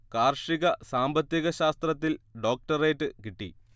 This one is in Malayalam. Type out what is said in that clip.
കാർഷിക സാമ്പത്തിക ശാസ്ത്രത്തിൽ ഡോക്ടറേറ്റ് കിട്ടി